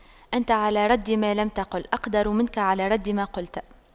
أنت على رد ما لم تقل أقدر منك على رد ما قلت